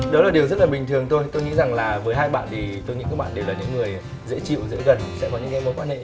đó là điều rất là bình thường thôi tôi nghĩ rằng là với hai bạn thì tôi nghĩ các bạn đều là những người dễ chịu dễ gần sẽ có những mối quan hệ